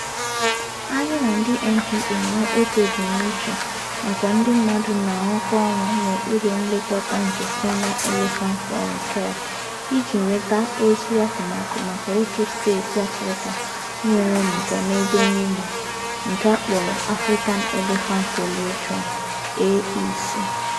Anyị na ndị NGO nwere otu ebumnuche nakwa ndị mmadụ na-arụkọ ọrụ n'okpuru nlekọta nke Kenya Elephant Forum (KEF) iji weta ozi atụmatụ maka otu steeti Afrịka nwere ọmịiko n'ebe enyi nọ, nke a kpọrọ African Elephant Coalition (AEC).